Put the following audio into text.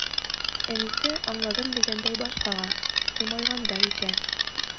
Әнисе, аңладым дигәндәй баш кага, елмайгандай итә.